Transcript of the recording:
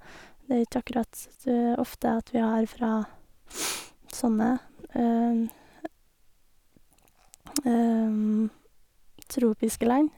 Det er ikke akkurat t ofte at vi har fra sånne tropiske land.